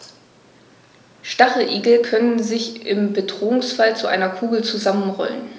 Stacheligel können sich im Bedrohungsfall zu einer Kugel zusammenrollen.